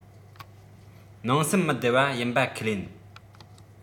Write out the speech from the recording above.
ནང སེམས མི བདེ བ ཡིན པ ཁས ལེན